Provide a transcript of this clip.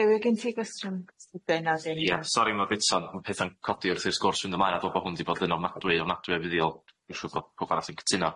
Dewi odd gen ti gwestiwn sydyn a dwi'n Ie sori ma' bita ma' petha'n codi wrth i'r sgwrs ffindo mlaen a dwi'n me'wl bo' hwn di bod yn ofnadwy ofnadwy o fuddiol dwi'n siŵr bo' powb arall sy'n cytuno.